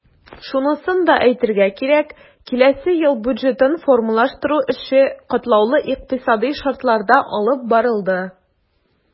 Шунысын да әйтергә кирәк, киләсе ел бюджетын формалаштыру эше катлаулы икътисадый шартларда алып барылды.